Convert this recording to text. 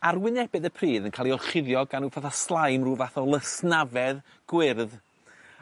arwynebedd y pridd yn ca'l 'i orchuddio gan 'w fatha slime ryw fath o lysnafedd gwyrdd